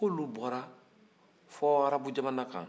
k'olu bɔra fo arabujamana kan